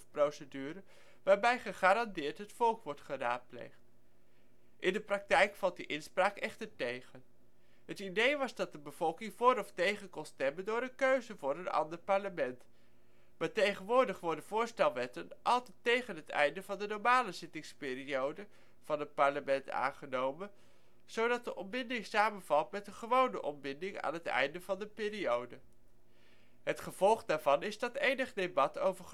procedure waarbij gegarandeerd het volk wordt geraadpleegd. In de praktijk valt die inspraak echter tegen. Het idee was dat de bevolking voor of tegen kon stemmen door een keuze voor een ander parlement. Maar tegenwoordig worden voorstelwetten altijd tegen het eind van de normale zittingsperiode van het parlement aangenomen, zodat de ontbinding samenvalt met de " gewone " ontbinding aan het einde van een periode. Het gevolg daarvan is dat enig debat over